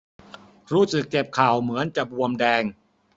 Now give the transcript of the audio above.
รู้สึกเจ็บเข่าเหมือนจะบวมแดง